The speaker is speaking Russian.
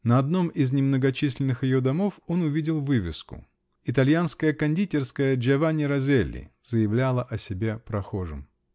На одном из немногочисленных ее домов он увидел вывеску: "Итальянская кондитерская Джиованни Розелли" заявляла о себе прохожим.